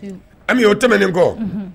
An o tɛmɛnen kɔ